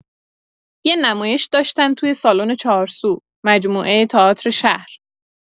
یه نمایش داشتن توی سالن چهارسو، مجموعه تئاتر شهر.